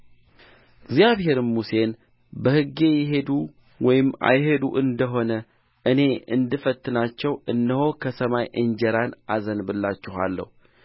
እግዚአብሔርም ሙሴን በሕጌ ይሄዱ ወይም አይሄዱ እንደሆነ እኔ እንድፈትናቸው እነሆ ከሰማይ እንጀራን አዘንብላችኋለሁ